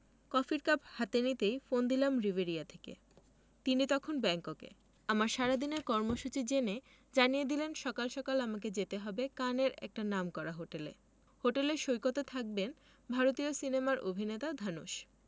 কফির কাপ হাতে নিতেই ফোন দিলাম রিভেরিয়া থেকে তিনি তখন ব্যাংককে আমার সারাদিনের কর্মসূচি জেনে জানিয়ে দিলেন সকাল সকাল আমাকে যেতে হবে কানের একটা নামকরা হোটেলে হোটেলের সৈকতে থাকবেন ভারতীয় সিনেমার অভিনেতা ধানুশ